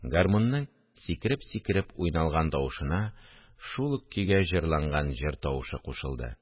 Гармунның сикереп-сикереп уйналган тавышына шул ук көйгә җырланган җыр тавышы кушылды